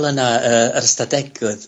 ...yn yy yr ystadegwr.